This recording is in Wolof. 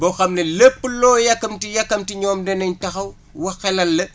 boo xam ne lépp loo yàkkamti yàkkamti ñoom danañ taxaw waxxalal la